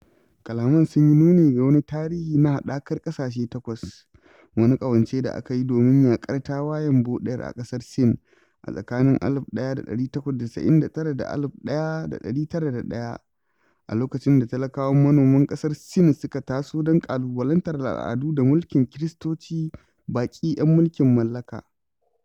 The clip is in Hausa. Kalaman sun yi nuni ga wani tarihi na Haɗakar ƙasashe Takwas, wani ƙawance da aka yi domin yaƙar Tawayen Boɗer a ƙasar Sin, a tsakanin 1899 da 1901, a lokacin da talakawan manoman ƙasar Sin suka taso don ƙalubalantar al'adu da mulkin Kiristoci baƙi 'yan mulkin mallaka.